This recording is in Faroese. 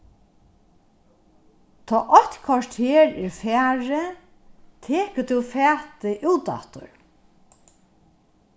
tá eitt korter er farið tekur tú fatið út aftur